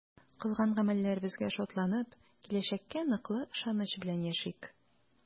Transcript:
Кылган гамәлләребезгә шатланып, киләчәккә ныклы ышаныч белән яшик!